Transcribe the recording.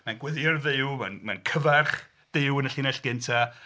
Mae'n gweddïo i Dduw, mae'n cyfarch Duw yn y llinell gynta